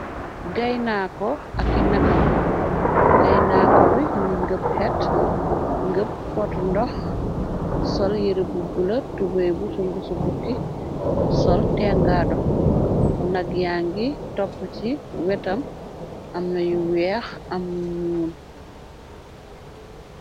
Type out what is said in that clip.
Gainakor ak gui nahgam, gainakor bii mungy ngeumb hettt, ngeumb poti ndokh, sol yehreh bu bleu, tubeiyy bu sumbuci buki, sol keh ngadoh, nak yangy topu cii wetam, amna yu wekh am yu njull.